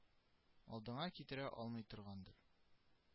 Алдына китерә алмый торгандыр